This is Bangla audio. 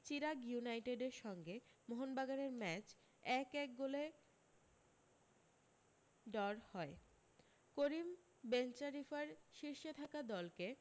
চিরাগ ইউনাইটেডের সঙ্গে মোহনবাগানের ম্যাচ এক এক গোলে ডর হয় করিম বেঞ্চারিফার শীর্ষে থাকা দলকে